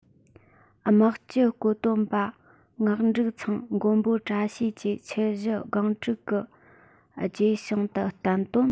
དམག སྤྱི བཀོད འདོམས པ ངག འབྲུག ཚང མགོན པོ བཀྲ ཤིས ཀྱིས ཆུ བཞི སྒང དྲུག གི བརྗེད བྱང དུ བསྟན དོན